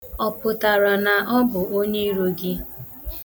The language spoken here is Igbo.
Ọ pụtara na ọ bụ onyeiro gị?